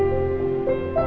có